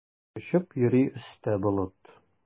Очып йөри өстә болыт.